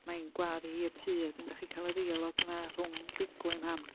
Mae'n gwadd hi i'r tŷ ac wedyn dych chi'n cael y ddeilaog yna rhwng Begw a'i mam.